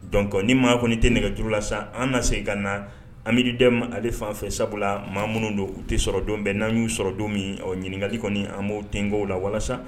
Donc ni maa kɔni tɛ nɛgɛjuru la sa an na se g na amibid ale fanfɛ sabula la maa minnu don u tɛ sɔrɔ don bɛn n'an y'u sɔrɔ don min o ɲininkakali kɔni an b'o ten' la walasa